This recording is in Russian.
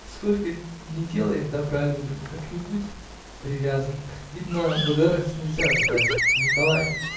-- Сколько ни делай добра людям, как ни будь привязан, видно, благодарности нельзя ожидать, Николай?